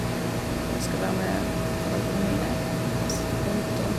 Og skal være med foreldrene mine og p sitte på hytta.